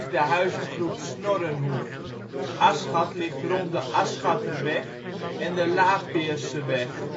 de huizengroep Snorrenhoef. Asschat ligt rond de Asschatterweg en de Laapeerseweg